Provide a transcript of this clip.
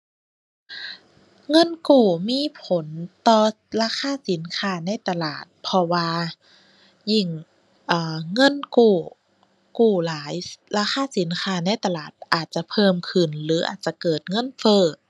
เงินกู้มีผลต่อราคาสินค้าในตลาด เพราะว่ายิ่ง เออ เงินกู้กู้หลาย ราคาสินค้าในตลาดอาจจะเพิ่มหรืออาจจะเกิดเงินเฟ้อ